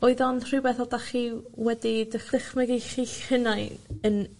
oedd o'n rhywbeth odach chi wedi dych- dychmygu chi'ch hunain yn